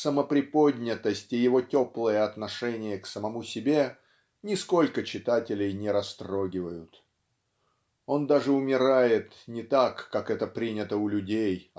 самоприподнятость и его теплое отношение к самому себе нисколько читателей не растрогивают. Он даже умирает не так как это принято у людей